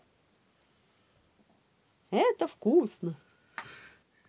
это вкусно